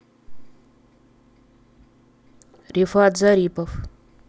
рифат зарипов